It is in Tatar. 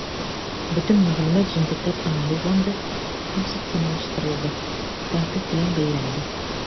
Бөтен мәгълүмат җентекләп анализланды һәм системалаштырылды, тәнкыйть белән бәяләнде.